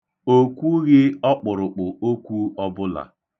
O kwughị ọkpụrụkpụ okwu ọbụla.